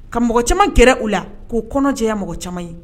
Ka mɔgɔ caman gɛrɛ u la ku kɔnɔ jɛya mɔgɔ caman ye.